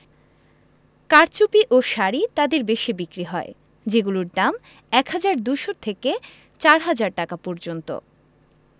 কারচুপি ও শাড়ি তাঁদের বেশি বিক্রি হয় যেগুলোর দাম ১ হাজার ২০০ থেকে ৪ হাজার টাকা পর্যন্ত